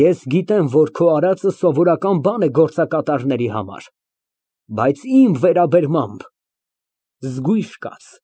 Ես գիտեմ, որ քո արածը սովորական բան է գործակատարների համար, բայց իմ վերաբերմամբ զգույշ կաց։